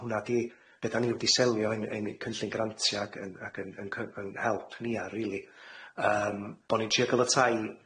a hwnna di be 'dan ni wedi selio ein ein cynllun grantia ag yn ag yn yn cy- yn help ni ar rili yym bo' ni'n trio ca'l y tai